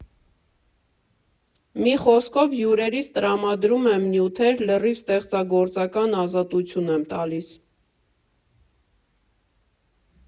Մի խոսքով՝ հյուրերիս տրամադրում եմ նյութեր, լրիվ ստեղծագործական ազատություն եմ տալիս։